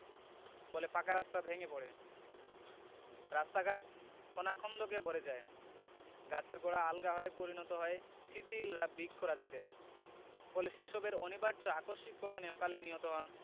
ফলে পাকা রাস্তা ভেঙ্গে পড়ে রাস্তাঘাট খানাখন্দকে ভরে যায় গাছের গোড়া আলগা হয়ে পরিণত হয় শিথিল বৃক্ষরাজিতে ফলে সে সবের অনিবার্য আকস্মিক পতনে অকালে নিহত হন